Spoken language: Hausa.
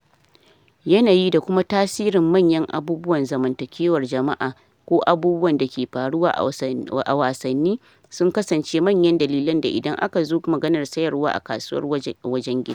Yanayi da kuma tasirin manyan abubuwan zamantakewar jama'a ko abubuwan dake faruwa a wasanni sun kasance manyan dalilai idan aka zo maganar sayarwa a kasuwar wajen gida.